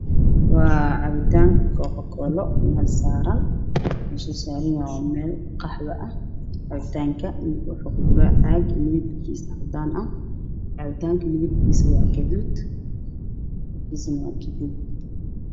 Waa cabitaan kooko koolo meel saaran meeshuu saaran yahay waa meel qaxwi ah cabitaanka waxuu ku jiraa caag midabkiisa cadaan ah cabitaan midabkiisa waa gaduud.